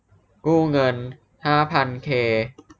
กู้เงินห้าพันเค